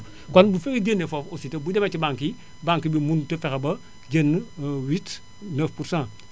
kon bu fay gñnee foofu aussi te bu demee ci banques yi banque bi mënul a fexe ba gñn 8 9%